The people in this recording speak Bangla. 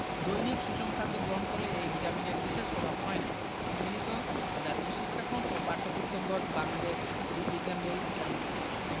দৈনিক সুষম খাদ্য গ্রহণ করলে এই ভিটামিনের বিশেষ অভাব হয় না সংগৃহীত জাতীয় শিক্ষাক্রম ও পাঠ্যপুস্তক বর্ড বাংলাদেশ জীব বিজ্ঞান বই এর অন্তর্ভুক্ত